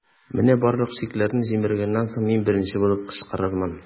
Менә барлык чикләрне җимергәннән соң, мин беренче булып кычкырырмын.